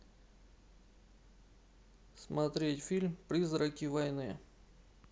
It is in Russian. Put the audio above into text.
смотреть фильм призраки войны